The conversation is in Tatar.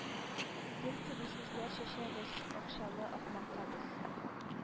Гөл кеби сүзләр чәчәбез акчалы ахмакка без